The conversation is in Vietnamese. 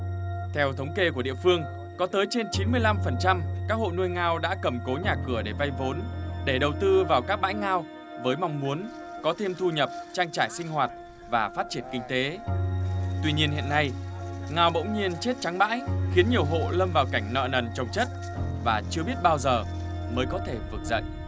theo thống kê của địa phương có tới trên chín mươi lăm phần trăm các hộ nuôi ngao đã cầm cố nhà cửa để vay vốn để đầu tư vào các bãi ngao với mong muốn có thêm thu nhập trang trải sinh hoạt và phát triển kinh tế tuy nhiên hiện nay ngao bỗng nhiên chết trắng bãi khiến nhiều hộ lâm vào cảnh nợ nần chồng chất và chưa biết bao giờ mới có thể vực dậy